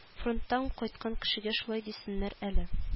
Фронттан кайткан кешегә шулай дисеннәр әле